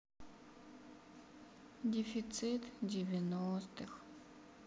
дефицит девяностых